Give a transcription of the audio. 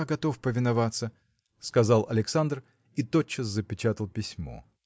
я готов повиноваться, – сказал Александр и тотчас запечатал письмо.